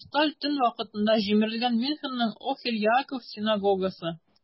"хрусталь төн" вакытында җимерелгән мюнхенның "охель яаков" синагогасы.